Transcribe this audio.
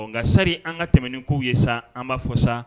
Nka sanni an ka tɛmɛ ni kow ye sa an b'a fɔ sa